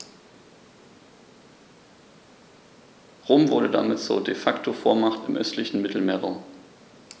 Rom wurde damit zur ‚De-Facto-Vormacht‘ im östlichen Mittelmeerraum.